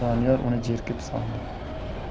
doniyor uni jerkib soldi